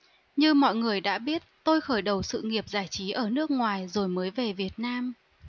như mọi người đã biết tôi khởi đầu sự nghiệp giải trí ở nước ngoài rồi mới về việt nam